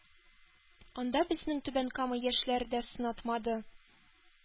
Анда безнең түбән кама яшьләре дә сынатмады.